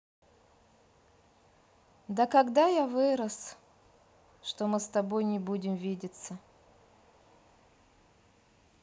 да когда я вырос что мы с тобой не будем видеться